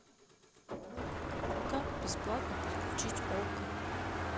как бесплатно подключить окко